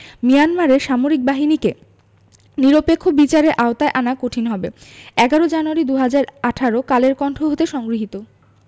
মিয়ানমারের সামরিক বাহিনীকে নিরপেক্ষ বিচারের আওতায় আনা কঠিন হবে ১১ জানুয়ারি ২০১৮ কালের কন্ঠ হতে সংগৃহীত